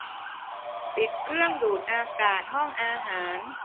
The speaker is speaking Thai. ปิดเครื่องดูดอากาศห้องอาหาร